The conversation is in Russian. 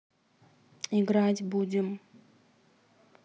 играть будем